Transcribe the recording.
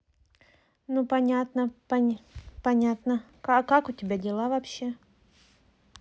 ну понятно понятно а как у тебя дела вообще